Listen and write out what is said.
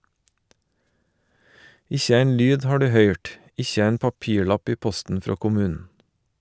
Ikkje ein lyd har du høyrt, ikkje ein papirlapp i posten frå kommunen.